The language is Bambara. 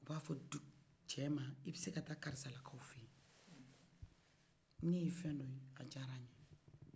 u b'a fɔ tu cɛman i bɛ se ka ta karisala k'aw feyi ne ye fen dɔye a jala ɲe